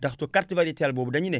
ndaxte carte variétale boobu dañu ne